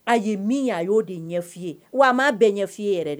A ye min ye a y'o de ɲɛf'i ye wa a m'a bɛɛ ɲɛ ɲɛf'i ye yɛrɛ de